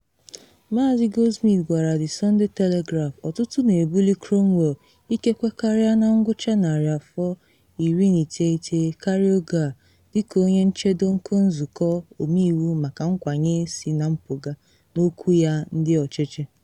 Maazị Goldsmith gwara The Sunday Telegraph: “Ọtụtụ na ebuli Cromwell, ikekwe karịa na ngwụcha narị afọ 19 karịa oge a, dị ka onye nchedo nke nzụkọ omeiwu maka nkwanye si na mpụga, n’okwu ya ndị ọchịchị.